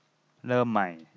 เริ่มใหม่